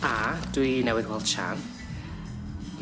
A dwi newydd weld Sian.